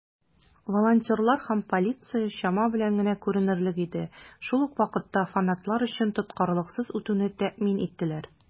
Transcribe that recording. Волонтерлар һәм полиция чама белән генә күренерлек иде, шул ук вакытта фанатлар өчен тоткарлыксыз үтүне тәэмин иттеләр.